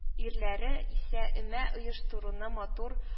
Ирләре исә өмә оештыруны матур